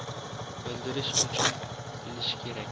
bildirish uchun bihsh kerak